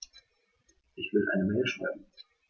Ich will eine Mail schreiben.